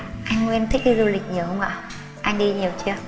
anh nguyên thích đi du lịch nhiều không ạ anh đi nhiều chưa